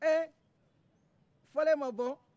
ehhh fɔlen ma bɔ